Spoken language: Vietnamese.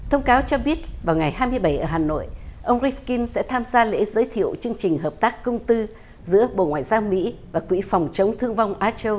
thông cáo cho biết vào ngày hai mươi bảy ở hà nội ông ríp phờ kin sẽ tham gia lễ giới thiệu chương trình hợp tác công tư giữa bộ ngoại giao mỹ và quỹ phòng chống thương vong á châu